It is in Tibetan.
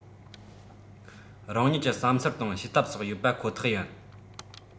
རང ཉིད ཀྱི བསམ ཚུལ དང བྱེད ཐབས སོགས ཡོད པ ཁོ ཐག ཡིན